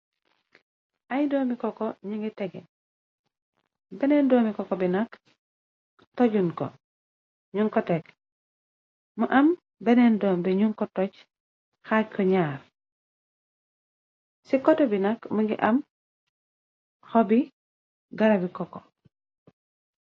Ay doomi koko ñu ngi tege benneen doomi ko ko bi nakk tojun ko ñun ko teg mu am benneen doom bi ñu ko toj xaaj ko ñyaar ci koto bi nak më ngi am xobi garabi kokko.